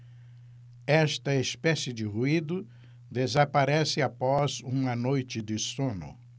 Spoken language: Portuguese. esta espécie de ruído desaparece após uma noite de sono